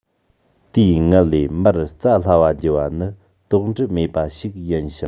དེས མངལ ལས མར བཙའ སླ བ བགྱི བ ནི དོགས འདྲི མེད པ ཞིག ཡིན ཞིང